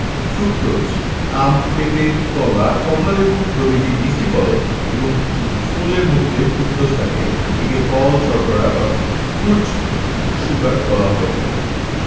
fructose আম পেপে কলা কমলালেবু প্রভৃতি মিষ্টি ফলে এবং ফুলের মধুতে ফ্রুকটোজ থাকে একে ফল শর্করা বা ফ্রুট শুগার বলা হয়ে থাকে